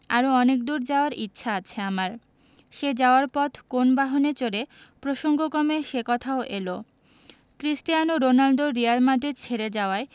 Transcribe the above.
আরও অনেক দূর যাওয়ার ইচ্ছা আছে আমার সেই যাওয়ার পথ কোন বাহনে চড়ে প্রসঙ্গক্রমে সে কথাও এল ক্রিস্টিয়ানো রোনালদো রিয়াল মাদ্রিদ ছেড়ে যাওয়ায়